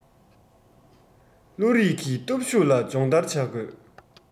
བློ རི གི སྟོབས ཤུགས ལ སྦྱོང བརྡར བྱ དགོས